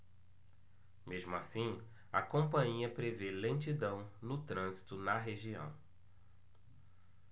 mesmo assim a companhia prevê lentidão no trânsito na região